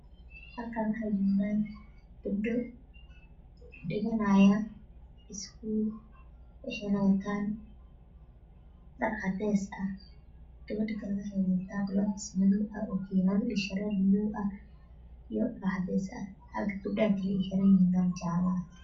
Halkan waxa jogan gabdho dhiganayaniskuul waxeyna watan dhar cades ah gabadha kalana waxey wadadta galofis madow ah okiyaalo indha shareer madow ah iyo dharcadeyah halkagab dhahakale ay xiranyihiin dharjaale ah